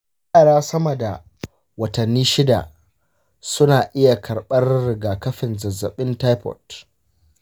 yara sama da watanni shida suna iya karɓar rigakafin zazzabin taifot